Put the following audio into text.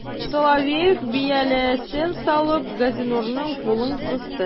Соловеев, бияләен салып, Газинурның кулын кысты.